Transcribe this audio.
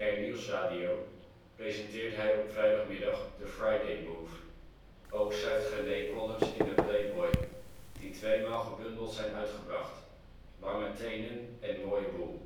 Nieuwsradio presenteert hij op vrijdagmiddag The Friday Move. Ook schrijft Genee columns in de Playboy, die tweemaal gebundeld zijn uitgebracht: Lange Tenen en Mooie Boel